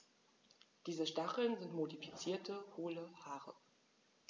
Diese Stacheln sind modifizierte, hohle Haare.